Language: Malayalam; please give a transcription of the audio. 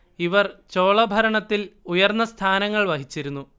ഇവർ ചോള ഭരണത്തിൽ ഉയർന്ന സ്ഥാനങ്ങൾ വഹിച്ചിരുന്നു